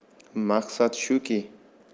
maqsad shuki